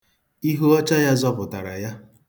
Ihu ọcha ya zọpụtara ya.